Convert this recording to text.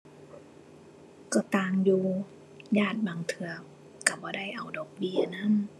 ก็ต่างอยู่ ญาติบางเทื่อก็บ่ได้เอาดอกเบี้ยนำ